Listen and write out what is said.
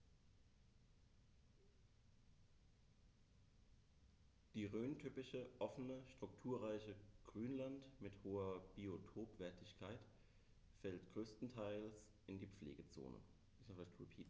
Das rhöntypische offene, strukturreiche Grünland mit hoher Biotopwertigkeit fällt größtenteils in die Pflegezone.